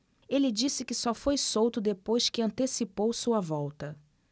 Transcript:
ele disse que só foi solto depois que antecipou sua volta